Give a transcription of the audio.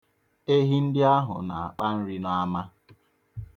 Ehi ndị ahụ na-akpa nri n'ama.